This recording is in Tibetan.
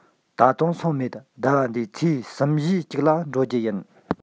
ད དུང སོང མེད ཟླ བ འདིའི ཚེས གསུམ བཞིའི གཅིག ལ འགྲོ རྒྱུུ ཡིན